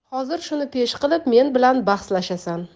hozir shuni pesh qilib men bilan bahslashasan